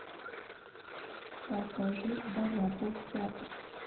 покажи дорогу в театр